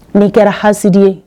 N'i kɛra hasidi ye